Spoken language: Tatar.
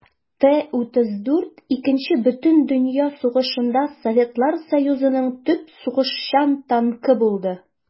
Т-34 Икенче бөтендөнья сугышында Советлар Союзының төп сугышчан танкы булды.